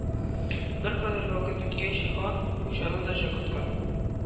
Беркадәр вакыт үткәч, хан Хуҗаны да чакырткан